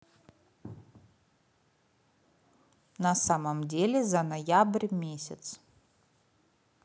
на самом деле за ноябрь месяц